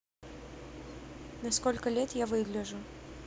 на сколько лет я выгляжу